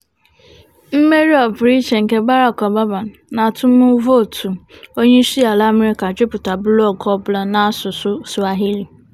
Mmeri ọpụrụiche nke Barack Obama n'atụmụvotu Onyeisiala Amerịka juputara blọọgụ ọbụla na-asụ asụsụ Swahili.